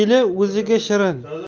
eli o'ziga shirin